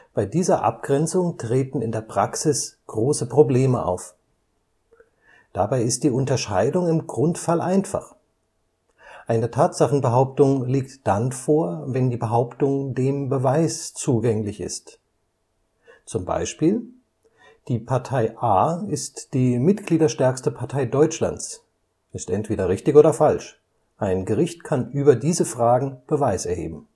Bei dieser Abgrenzung treten in der Praxis große Probleme auf. Dabei ist die Unterscheidung im Grundfall einfach: Eine Tatsachenbehauptung liegt dann vor, wenn die Behauptung dem Beweis zugänglich ist (z. B.: „ Die Partei A ist die mitgliederstärkste Partei Deutschlands “ist entweder richtig oder falsch. Ein Gericht kann über diese Fragen Beweis erheben